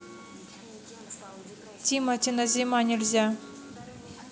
тимати назима нельзя